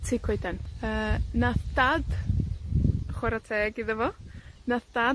tŷ coeden. Yy, nath dad, chwara teg iddo fo, nath dad